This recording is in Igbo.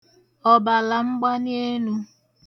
ọ̀bàlàmgbanịenū